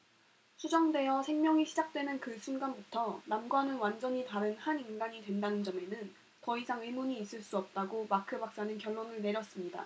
수정되어 생명이 시작되는 그 순간부터 남과는 완전히 다른 한 인간이 된다는 점에는 더 이상 의문이 있을 수 없다고 마크 박사는 결론을 내렸습니다